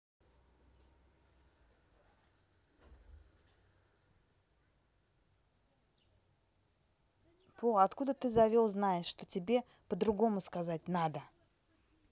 no откуда ты завел знаешь что тебе по другому сказать надо